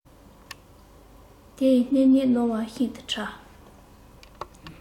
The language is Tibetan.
དེ ཡི སྣེ གཉིས རྣོ ལ ཤིན ཏུ ཕྲ